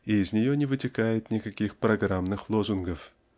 и из нее не вытекает никаких программных лозунгов